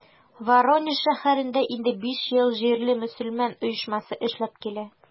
Воронеж шәһәрендә инде биш ел җирле мөселман оешмасы эшләп килә.